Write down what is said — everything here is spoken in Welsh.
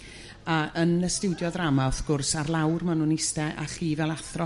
A yn y stiwdio ddrama wrth gwrs ar lawr ma' nhw'n 'iste' a chi fel athro